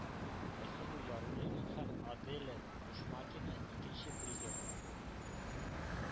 Айсылу Яруллина һәм Аделя Бушмакина – икенче призерлар.